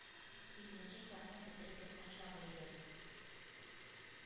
Сигезенче классны бетереп яткан чагы иде.